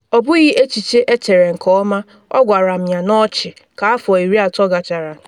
“Ọ bụghị echiche echere nke ọma, “ọ gwara m ya n’ọchị ka afọ 30 gachara.